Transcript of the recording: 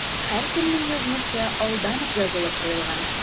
Һәркемнең язмышы алдан ук язылып куелган.